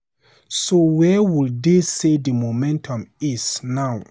So where would they say the momentum is now?